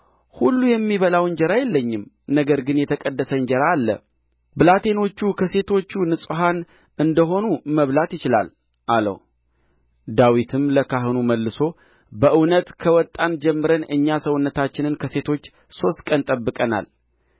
ሁሉ የሚበላው እንጀራ የለኝም ነገር ግን የተቀደስ እንጀራ አለ ብላቴኖቹ ከሴቶቹ ንጹሐን እንደ ሆኑ መብላት ይቻላል አለው ዳዊትም ለካህኑ መልሶ በእውነት ከወጣን ጀምረን እኛ ሰውነታችንን ከሴቶች ሦስት ቀን ጠብቀናል